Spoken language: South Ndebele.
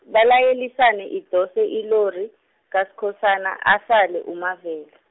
balayelisane idose ilori, kaSkhosana, asale uMavela.